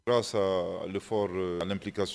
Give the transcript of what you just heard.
Grace à l'effort de en implication de.